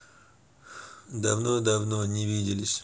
давно давно не виделись